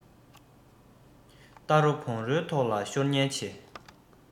རྟ རོ བོང རོའི ཐོག ལ ཤོར ཉེན ཆེ